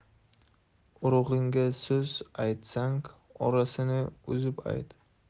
urug'ingga so'z aytsang orasini uzib ayt